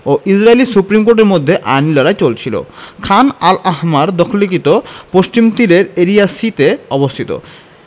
ও ইসরাইলি সুপ্রিম কোর্টের মধ্যে আইনি লড়াই চলছিল খান আল আহমার দখলীকৃত পশ্চিম তীরের এরিয়া সি তে অবস্থিত